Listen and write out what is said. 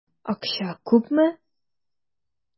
Акча күпме?